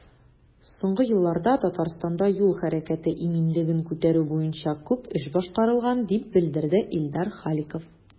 Соңгы елларда Татарстанда юл хәрәкәте иминлеген күтәрү буенча күп эш башкарылган, дип белдерде Илдар Халиков.